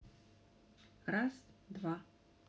раз два